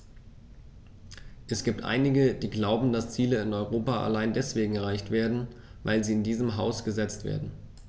Es gibt einige, die glauben, dass Ziele in Europa allein deswegen erreicht werden, weil sie in diesem Haus gesetzt werden.